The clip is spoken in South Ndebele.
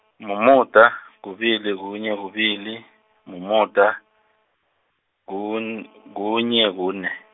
mumuda, kubili, kunye, kubili, mumuda, kun-, kunye, kune.